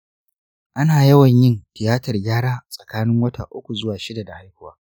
ana yawan yin tiyatar gyara tsakanin wata uku zuwa shida da haihuwa.